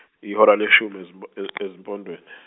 ihora leshumi ezimpo- ez- ezimpondweni.